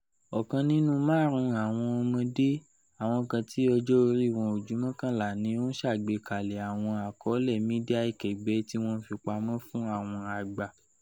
ọkan nínú maarun awọn ọmọde – awọn kan ti ọjọ ori wọn o ju 11 – ni o n ṣagbekalẹ awọn akọọlẹ midia ikẹgbẹ ti wọn n fi pamọ fun awọn agba.